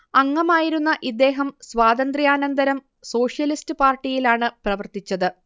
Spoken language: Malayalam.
അംഗമായിരുന്ന ഇദ്ദേഹം സ്വാതന്ത്ര്യാനന്തരം സോഷ്യലിസ്റ്റ് പാർട്ടിയിലാണ് പ്രവർത്തിച്ചത്